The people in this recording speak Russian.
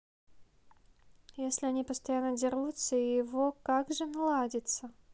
если они постоянно дерутся и его и как же наладиться